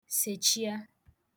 sèchịa